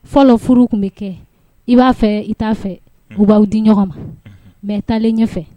Fɔlɔ furu tun bɛ kɛ i b'a fɛ i t'a fɛ, u b'aw di ɲɔgɔn ma mais taalen ɲɛfɛ